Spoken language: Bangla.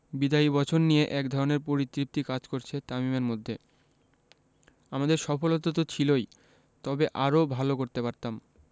বিদায়ী বছর নিয়ে একধরনের পরিতৃপ্তি কাজ করছে তামিমের মধ্যে আমাদের সফলতা তো ছিলই তবে আরও ভালো করতে পারতাম